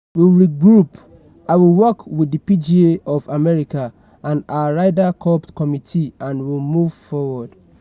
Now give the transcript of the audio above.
We'll regroup, I'll work with the PGA of America and our Ryder Cup Committee and we'll move forward.